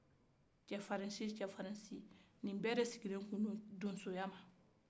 cɛfarisi cɛfarisi ni bɛɛ de sigilen don donsoya de kan